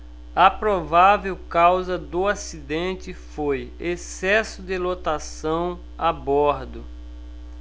a provável causa do acidente foi excesso de lotação a bordo